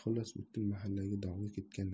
xullas butun mahallaga dong'i ketgan